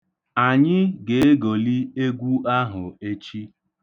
Anyị ga-egoli egwu ahụ echi.